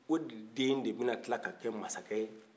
o de den bɛna kila ka kɛ masakɛ ye